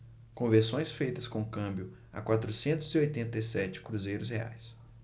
conversões feitas com câmbio a quatrocentos e oitenta e sete cruzeiros reais